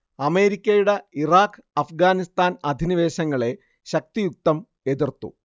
അമേരിക്കയുടെ ഇറാഖ് അഫ്ഗാനിസ്താൻ അധിനിവേശങ്ങളെ ശക്തിയുക്തം എതിർത്തു